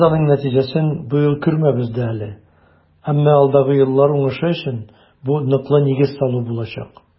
Без аның нәтиҗәсен быел күрмәбез дә әле, әмма алдагы еллар уңышы өчен бу ныклы нигез салу булачак.